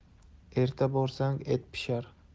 erta borsang et pishar